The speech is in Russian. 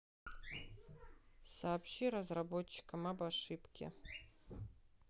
сообщи разработчикам об ошибке